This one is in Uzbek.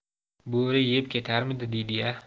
bo'ri yeb ketarmidi deydiya